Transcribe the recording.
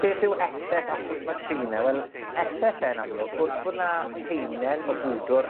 beth yw effeth a shwt ma' trin e, wel, effeth e yn amlwg, wrth bo' 'na heinen o bwdwr